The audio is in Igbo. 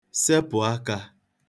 sepụ̀ akā